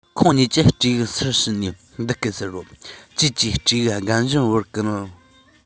ཁོས གཉིས ཀྱི སྤྲེའུའི སར ཕྱིན ནས འདི སྐད ཟེར རོ ཀྱེ ཀྱེ སྤྲེའུ རྒན གཞོན བར བ ཀུན